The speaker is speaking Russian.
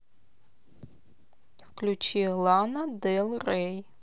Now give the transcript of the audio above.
включи лана дел рей